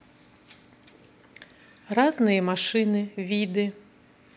разные машины виды